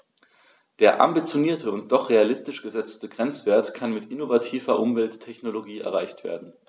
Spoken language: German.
Der ambitionierte und doch realistisch gesetzte Grenzwert kann mit innovativer Umwelttechnologie erreicht werden.